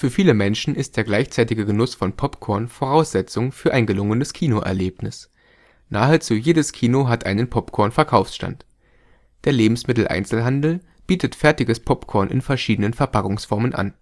viele Menschen ist der gleichzeitige Genuss von Popcorn Voraussetzung für ein gelungenes Kino-Erlebnis. Nahezu jedes Kino hat einen Popcorn-Verkaufsstand. Der Lebensmitteleinzelhandel bietet fertiges Popcorn in verschiedenen Verpackungsformen an